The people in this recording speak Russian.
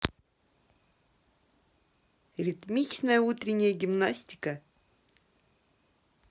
ритмичная утренняя гимнастика